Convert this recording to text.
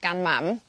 gan mam